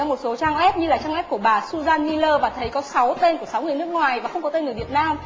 một số trang goép như là trang goép của bà su dan di lơ và thấy có sáu tên của sáu người nước ngoài và không có tên người việt nam